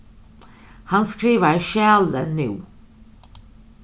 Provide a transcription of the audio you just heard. hann skrivar skjalið nú